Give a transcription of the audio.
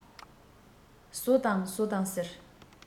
ཟོ དང ཟོ དང ཟེར